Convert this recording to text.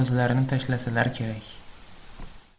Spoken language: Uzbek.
o'zlarini tashlasalar kerak